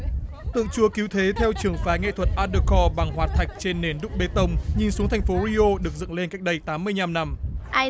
tượng chúa cứu thế theo trường phái nghệ thuật an đờ co bằng hoạt thạch trên nền đúc bê tông như xuống thành phố ri ô được dựng lên cách đây tám mươi nhăm năm